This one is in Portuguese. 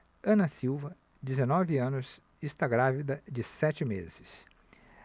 ana silva dezenove anos está grávida de sete meses